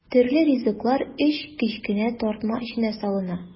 Төрле ризыклар өч кечкенә тартма эченә салына.